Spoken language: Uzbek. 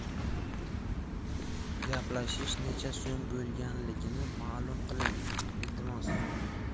gaplashish necha so'm bo'lganligini ma'lum qiling iltimos